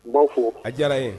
U b'a fɔ a diyara ye